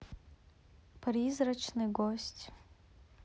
призрачный гость